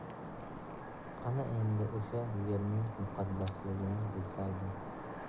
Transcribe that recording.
qani endi o'sha yerning muqaddasligini bilsaydim